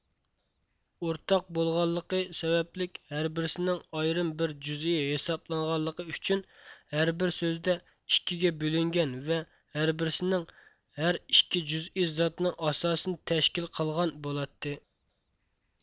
ئورتاق بولغانلىقى سەۋەبلىك ھەر بىرسىنىڭ ئايرىم بىر جۈزئىي ھېسابلانغانلىقى ئۈچۈن ھەر بىر سۆزدە ئىككىگە بۆلۈنگەن ۋە ھەر بىرسىنىڭ ھەر ئىككى جۇزئى زاتىنىڭ ئاساسىنى تەشكىل قىلغان بولاتتى